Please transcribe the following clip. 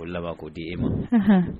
O laban ko di e ma